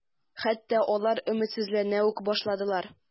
Хәтта алар өметсезләнә үк башладылар.